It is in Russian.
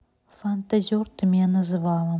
фантазер ты меня называла